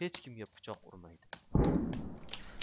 hechkimga pichoq urmaydi